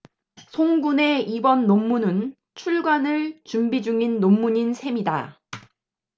송 군의 이번 논문은 출간을 준비 중인 논문인 셈이다